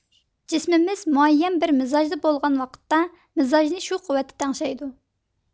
جىسمىمىز مۇئەييەن بىر مىزاجدا بولغان ۋاقىتتا مىزاجنى شۇ قۇۋۋەتتە تەڭشەيدۇ